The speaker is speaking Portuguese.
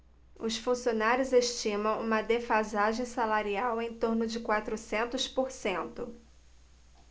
os funcionários estimam uma defasagem salarial em torno de quatrocentos por cento